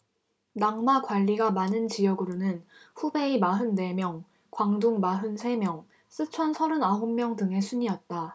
낙마 관리가 많은 지역으로는 후베이 마흔 네 명 광둥 마흔 세 명 쓰촨 서른 아홉 명 등의 순이었다